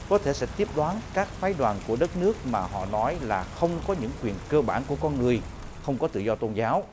có thể sẽ tiếp đón các phái đoàn của đất nước mà họ nói là không có những quyền cơ bản của con người không có tự do tôn giáo